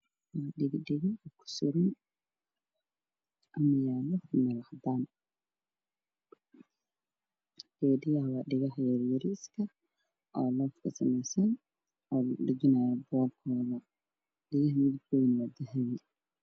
Waa dhaga dhago suran ama yaalo meel caddaan ah dhagaha waa kuweer yar midabkoodana waa dahabi